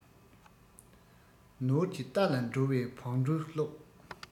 ནོར གྱི རྟ ལ འགྲོ བའི བང འགྲོས སློབས